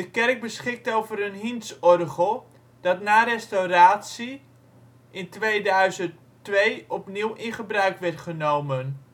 kerk beschikt over een Hinsz-orgel dat na restauratie in 2002 opnieuw in gebruik werd genomen